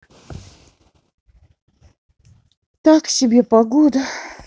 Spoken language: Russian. так себе погода